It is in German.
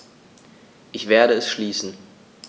Ich werde es schließen.